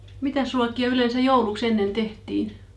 Mitäs ruokia yleensä jouluksi ennen tehtiin